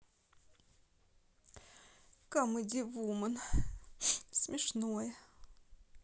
камеди вумен смешное